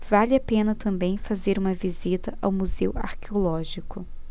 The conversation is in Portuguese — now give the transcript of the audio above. vale a pena também fazer uma visita ao museu arqueológico